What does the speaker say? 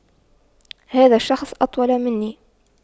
هذا الشخص أطول مني